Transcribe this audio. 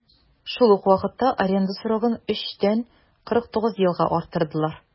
Шул ук вакытта аренда срогын 3 тән 49 елга арттырдылар.